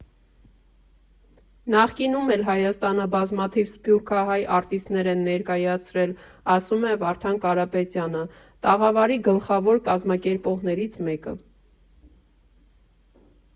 «Նախկինում էլ Հայաստանը բազմաթիվ սփյուռքահայ արտիստներ են ներկայացրել, ֊ ասում է Վարդան Կարապետյանը՝ տաղավարի գլխավոր կազմակերպողներից մեկը։